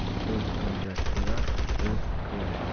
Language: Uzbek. so'z emgak bo'lar bo'z ko'ylak